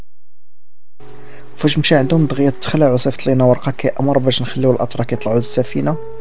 ايش عندهم بغيت تخلع وسهلين امر بس خلي والعطرك يطلعوا السفينه